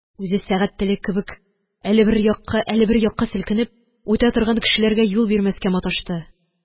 Үзе сәгать теле кебек әле бер якка, әле бер якка селкенеп, үтә торган кешеләргә юл бирмәскә маташты.